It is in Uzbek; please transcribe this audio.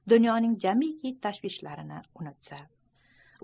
dunyoning jamiki tashvishlarini unutsa